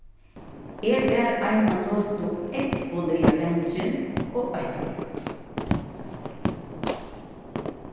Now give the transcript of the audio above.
eg var eina løtu ógvuliga bangin og óttafull